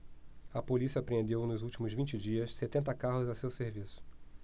a polícia apreendeu nos últimos vinte dias sessenta carros a seu serviço